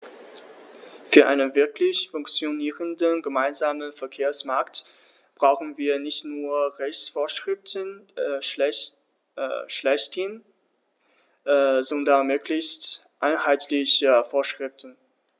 Für einen wirklich funktionierenden gemeinsamen Verkehrsmarkt brauchen wir nicht nur Rechtsvorschriften schlechthin, sondern möglichst einheitliche Vorschriften.